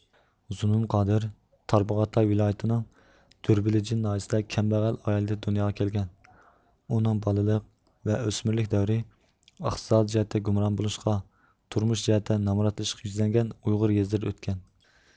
زۇنۇن قادىر تارباغاتاي ۋىلايىتىنىڭ دۆربىلجىن ناھىيىسىدە كەمبەغەل ئائىلىدە دۇنياغا كەلگەن ئۇنىڭ بالىلىق ۋە ئۆسمۈرلۈك دەۋرى ئىقتىسادىي جەھەتتە گۇمران بولۇشقا تۇرمۇش جەھەتتە نامراتلىشىشقا يۈزلەنگەن ئۇيغۇر يېزىلىرىدا ئۆتكەن